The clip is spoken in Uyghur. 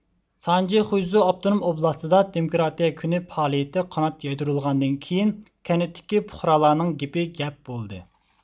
سانجى خۇيزۇ ئاپتونوم ئوبلاستىدا دېموكراتىيە كۈنى پائالىيىتى قانات يايدۇرۇلغاندىن كېيىن كەنتتىكى پۇقرالارنىڭ گېپى گەپ بولدى